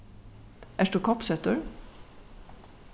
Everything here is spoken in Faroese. ert tú koppsettur